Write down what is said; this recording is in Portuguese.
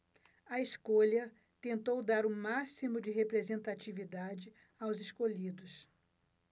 a escolha tentou dar o máximo de representatividade aos escolhidos